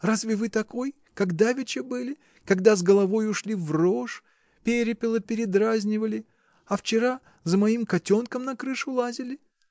Разве вы такой, как давеча были, когда с головой ушли в рожь, перепела передразнивали, а вчера за моим котенком на крышу лазили?